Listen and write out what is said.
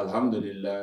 Ahamdulila